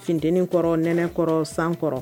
Fteni kɔrɔ nɛnɛ kɔrɔ sankɔrɔ